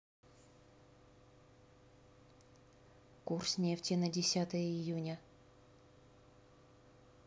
курс нефти на десятое июня